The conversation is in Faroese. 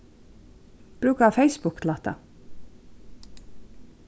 brúka facebook til hatta